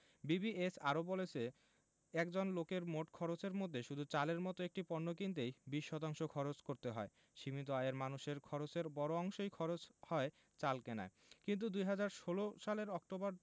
BBS আরও বলছে একজন লোকের মোট খরচের মধ্যে শুধু চালের মতো একটি পণ্য কিনতেই ২০ শতাংশ খরচ করতে হয় সীমিত আয়ের মানুষের খরচের বড় অংশই খরচ হয় চাল কেনায় কিন্তু ২০১৬ সালের অক্টোবর